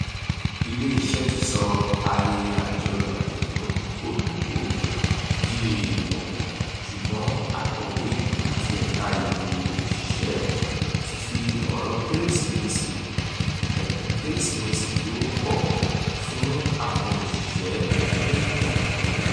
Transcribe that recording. Ilé-iṣẹ́ ti sọ ayẹyẹ àjọyọ̀ àjọ̀dún Òyìnbó di èèwọ̀. Ṣùgbọ́n akọ̀wé láti ẹ̀ka ètò-òṣìṣẹ́ ti fi òró Kérésìmesì (ẹ̀bùn Kérésìmesì tí ó wọ́pọ̀) fún àwọn òṣìṣẹ́ ní ìkọ̀kọ̀.